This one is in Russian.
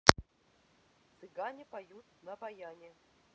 цыгане поют на баяне